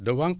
de wànq